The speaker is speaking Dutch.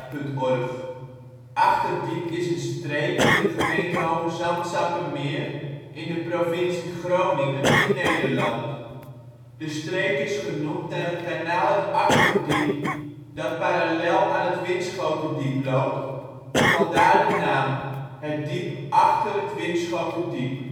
Het Achterdiep is een streek in de gemeente Hoogezand-Sappemeer in de provincie Groningen in Nederland. De streek is genoemd naar het kanaal het Achterdiep dat parallel aan het Winschoterdiep loopt, vandaar de naam: het diep achter het Winschoterdiep